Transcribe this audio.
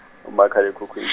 kumakhal' ekhukhwin-.